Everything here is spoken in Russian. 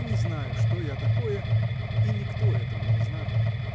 не знаю, что я такое, и никто этого не знает.